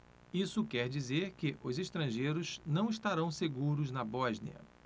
isso quer dizer que os estrangeiros não estarão seguros na bósnia